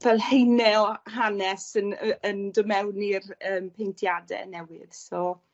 fel haene o hanes yn yy yn dod mewn i'r yym paentiade newydd so.